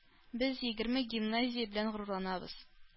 Без егерме гимназия белән горурланабыз